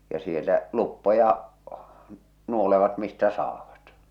ja siellä luppoja nuolevat mistä saavat